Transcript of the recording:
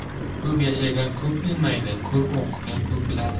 ko'p yashagan ko'p bilmaydi ko'p o'qigan ko'p biladi